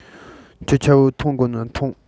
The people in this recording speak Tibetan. ཁྱོད ཆ བོས འཐུང དགོ ན ཐུངས